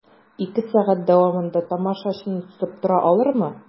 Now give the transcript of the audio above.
Ике сәгать дәвамында тамашачыны тотып тора алырмы?